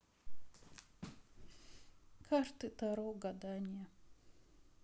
карты таро гадание